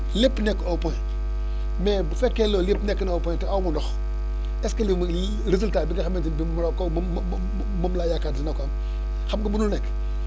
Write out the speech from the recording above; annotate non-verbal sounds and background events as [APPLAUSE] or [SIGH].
lépp nekk un point [BREATH] mais bu fekkee lépp nekk na au point te aw ma ndox est ce que li mu [HESITATION] résultat bi nga xamante ne bii moom laa ko moom moom moom laa yaakaar dina ko am [BREATH] xam nga munul nekk